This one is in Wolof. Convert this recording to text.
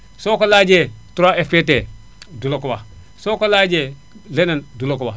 soo ko laajee 3FPT du la ko wax soo ko laajee leneen du la ko wax